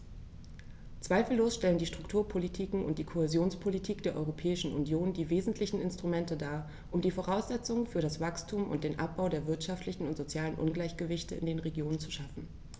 Zweifellos stellen die Strukturpolitiken und die Kohäsionspolitik der Europäischen Union die wesentlichen Instrumente dar, um die Voraussetzungen für das Wachstum und den Abbau der wirtschaftlichen und sozialen Ungleichgewichte in den Regionen zu schaffen.